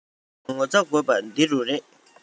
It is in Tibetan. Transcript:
ཁྲེལ དང ངོ ཚ དགོས པ འདི རུ རེད